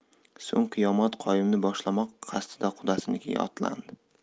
so'ng qiyomat qoyimni boshlamoq qasdida qudasinikiga otlandi